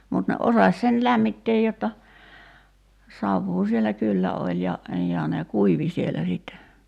mutta ne osasi sen lämmittää jotta savua siellä kyllä oli ja ja ne kuivui siellä sitten